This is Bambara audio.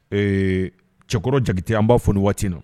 Ee cɛkɔrɔba jatete an b'a fɔ nin waati na